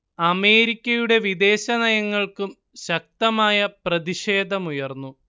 അമേരിക്കയുടെ വിദേശനയങ്ങൾക്കും ശക്തമായ പ്രതിഷേധമുയർത്തുന്നു